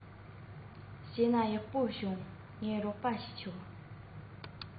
བདག ལ ད དུང གཅེན མོ གཉིས ཡོད